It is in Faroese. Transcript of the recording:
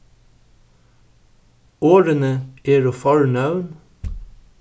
orðini eru fornøvn